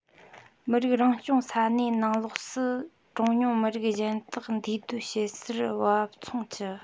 མི རིགས རང སྐྱོང ས གནས ནང ལོགས སུ གྲངས ཉུང མི རིགས གཞན དག འདུས སྡོད བྱེད སར བབ མཚུངས ཀྱི